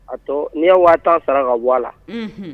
A tɔ n'i ye 50 000 sara ka bɔ a la, unhun.